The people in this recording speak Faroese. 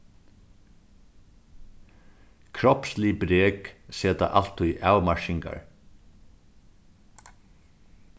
kropslig brek seta altíð avmarkingar